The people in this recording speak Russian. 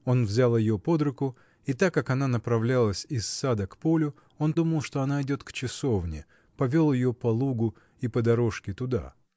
Он взял ее под руку, и так как она направлялась из сада к полю, он думал, что она идет к часовне, повел ее по лугу и по дорожке туда.